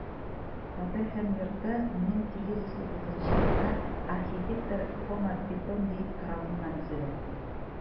Потехин йорты 1830 елда архитектор Фома Петонди тарафыннан төзелә.